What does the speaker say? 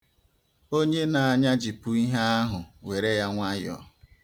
Onye na-anyajipụ ihe ahụ were ya nwayọ.